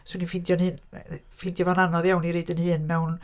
'Swn i'n ffeindio fy hun... ffeindio'n anodd iawn i roi fy hun mewn...